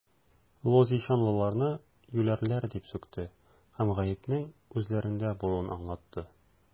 Лозищанлыларны юләрләр дип сүкте һәм гаепнең үзләрендә булуын аңлатты.